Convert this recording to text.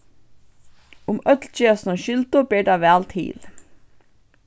um øll gera sína skyldu ber tað væl til